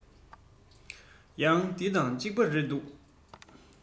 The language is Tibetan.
ཡང འདི དང ཅིག པ རེད འདུག